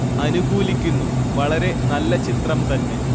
അനുകൂലിക്കുന്നു വളരെ നല്ല ചിത്രം തന്നെ